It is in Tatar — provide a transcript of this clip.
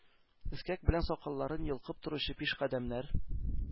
Эскәк белән сакалларын йолкып торучы пишкадәмнәр,